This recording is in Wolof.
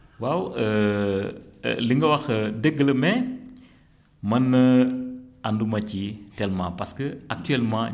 waaw li nga wax dëgg la mais man ànduma ci tellement parce que actuellement